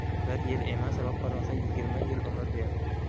bir yil emas roppa rosa yigirma yil umr berdi